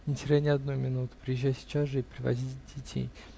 Не теряй ни одной минуты, приезжай сейчас же и привози детей.